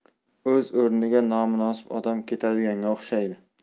o'z o'rniga nomunosib odam ketadiganga o'xshaydi